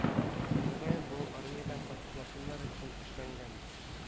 Мөгаен бу армиядән качмасыннар өчен эшләнгәндер